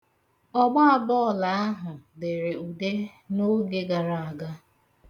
Ọgbaabọọlụ ahụ dere ude n'oge gara aga.